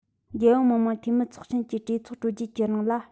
རྒྱལ ཡོངས མི དམངས འཐུས མིའི ཚོགས ཆེན གྱི གྲོས ཚོགས གྲོལ རྗེས ཀྱི རིང ལ